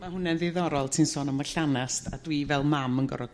Ma' hwne'n ddiddorol ti'n sôn am y llannast a dwi fel mam yn gor'o'